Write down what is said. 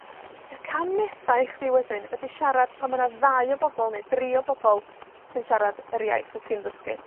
Y cam nesa i chdi wedyn ydi siarad pan ma' 'na ddau o bobol neu dri o bobol sy'n siarad yr iaith wt ti'n ddysgu.